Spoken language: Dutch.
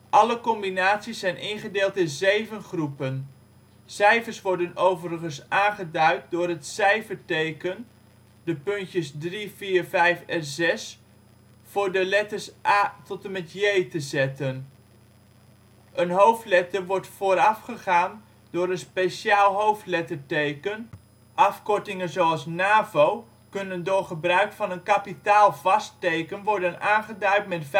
Alle combinaties zijn ingedeeld in 7 groepen. Cijfers worden overigens aangeduid door het cijferteken (de puntjes 3, 4, 5 en 6) voor de letters a t/m j te zetten. Een hoofdletter wordt voorafgegaan door een speciaal hoofdletterteken. Afkortingen zoals ' NAVO ' kunnen door gebruik van een kapitaalvast teken worden aangeduid met